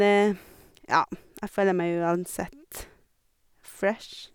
Ja, jeg føler meg uansett fresh.